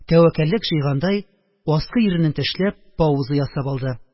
Тәвәккәллек җыйгандай, аскы иренен тешләп, пауза ясап алды